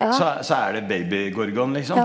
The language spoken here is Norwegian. så er så er det baby-Gorgon liksom.